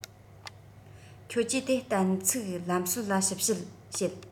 ཁྱོད ཀྱིས དེ གཏན ཚིགས ལམ སྲོལ ལ ཞིབ དཔྱད བྱེད